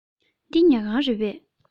འདི ཉལ ཁང རེད པས